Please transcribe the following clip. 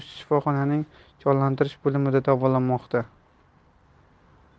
shifoxonaning jonlantirish bo'limida davolanmoqda